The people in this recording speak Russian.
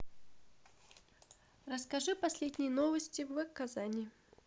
расскажи последние новости в казани